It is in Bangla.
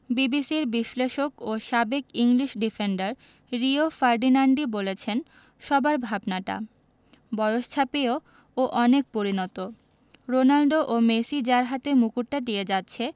বিবিসির বিশ্লেষক ও সাবেক ইংলিশ ডিফেন্ডার রিও ফার্ডিনান্ডই বলেছেন সবার ভাবনাটা বয়স ছাপিয়েও ও অনেক পরিণত রোনালদো ও মেসি যার হাতে মুকুটটা দিয়ে যাচ্ছে